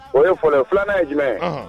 O ye fɔlɔ filanan ye jumɛn